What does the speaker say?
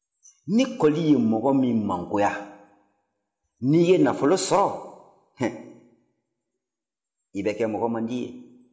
ni kɔli ye mɔgɔ min mangoya n'i ye nafolo sɔrɔ i bɛ kɛ mɔgɔmandi ye